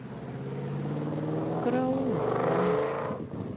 караулов лайф